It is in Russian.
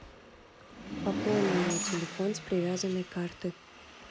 пополни мой телефон с привязанной карты